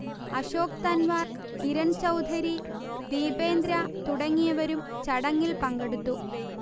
അശോക് തൻവാർ, കിരൺ ചൗധരി, ദീപേന്ദ്ര തുടങ്ങിയവരും ചടങ്ങിൽ പങ്കെടുത്തു